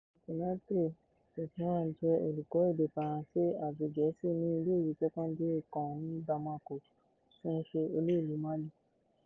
Boukary Konaté, 31, jẹ́ olùkọ́ èdè Faransé àti Gẹ̀ẹ́sì ní ilé-ìwé sẹ́kọ́ńdìrì kan ní Bamako, tí ń ṣe olú-ìlú Mali.